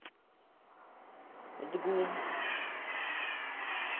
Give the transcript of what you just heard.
tgym